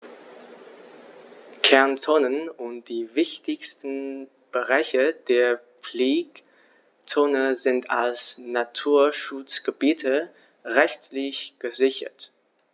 Kernzonen und die wichtigsten Bereiche der Pflegezone sind als Naturschutzgebiete rechtlich gesichert.